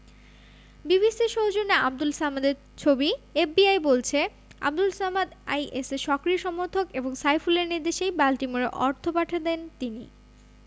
বিবিসির সৌজন্যে আবদুল সামাদের ছবি এফবিআই বলছে আবদুল সামাদ আইএসের সক্রিয় সমর্থক এবং সাইফুলের নির্দেশেই বাল্টিমোরে অর্থ পাঠাতেন তিনি